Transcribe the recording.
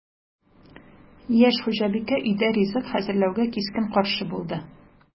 Яшь хуҗабикә өйдә ризык әзерләүгә кискен каршы булды: